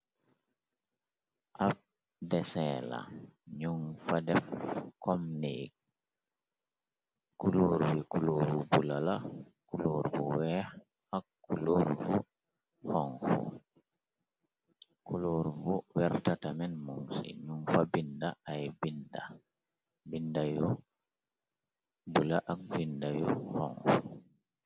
Ab desen la ñum fa def komnek kuluur bi kuluuru bula la kuluur bu weex ak kuluur bu xonku kulóur bu wertatamen mum ci ñum fa binda ay bindayu bu la ak binda yu xonku.